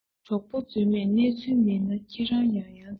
གྲོགས པོ རྫུན མས གནས ཚུལ མེད ན ཁྱེད རང ཡང ཡང འཚལ